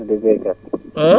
waaw